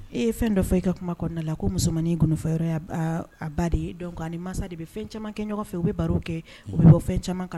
E ye fɛn dɔ fɔ i ka kuma kɔnɔna la ko musomannin gundo fɔyɔrɔ y'a a ba de ye. Donc a ni mansa de bɛ fɛn caaman kɛ ɲɔgɔn fɛ, u bɛ baro kɛ, u bɛ bɔ fɛn caaman ka